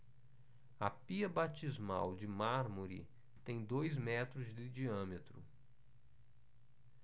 a pia batismal de mármore tem dois metros de diâmetro